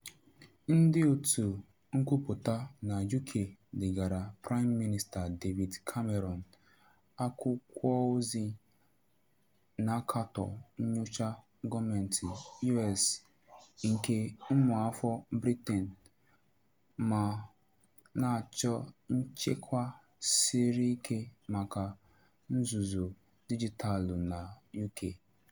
Ndịòtù nkwupụta na UK degaara Prime Minister David Cameron akwụkwọozi, na-akatọ nnyocha gọọmentị US nke ụmụafọ Britain ma na-achọ nchekwa siri ike maka nzuzo dijitaalụ na UK.